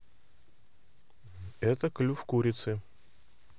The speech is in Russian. это клюв курицы